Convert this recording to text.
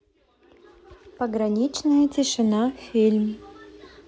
пограничная тишина фильм